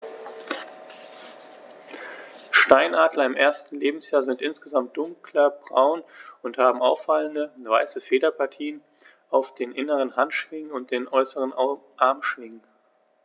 Steinadler im ersten Lebensjahr sind insgesamt dunkler braun und haben auffallende, weiße Federpartien auf den inneren Handschwingen und den äußeren Armschwingen.